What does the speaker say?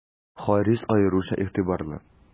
Харис аеруча игътибарлы.